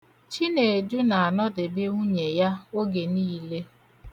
Chinedu na-anọdebe nwunye ya oge niile.